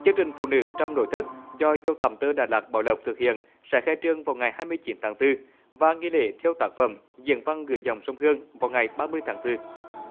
chương trình phụ nữ trong nội thất do dâu tằm tơ đà lạt bảo lộc thực hiện sẽ khai trương vào ngày hai mươi chín tháng tư và nghi lễ theo tác phẩm diễn văn gửi dòng sông hương vào ngày ba mươi tháng tư